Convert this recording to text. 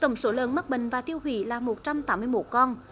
tổng số lợn mắc bệnh và tiêu hủy là một trăm tám mươi mốt con